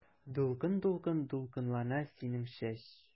Дулкын-дулкын дулкынлана синең чәч.